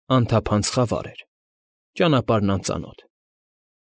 Անթափանց խավար էր, ճանապարհն անծանոթ։